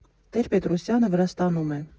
Տեր֊֊Պետրոսյանը Վրաստանում է։